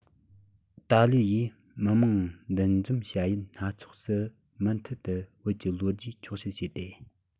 ཏཱ ལའི ཡིས མི མང འདུ འཛོམས བྱ ཡུལ སྣ ཚོགས སུ མུ མཐུད དེ བོད ཀྱི ལོ རྒྱུས འཁྱོག བཤད བྱས ཏེ